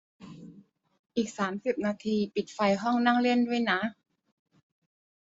อีกสามสิบนาทีปิดไฟห้องนั่งเล่นด้วยนะ